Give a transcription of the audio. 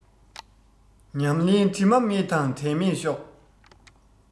ཉམས ལེན དྲི མ མེད དང འབྲལ མེད ཤོག